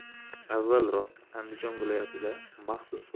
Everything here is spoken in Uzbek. avvalroq andijon viloyatida maxsus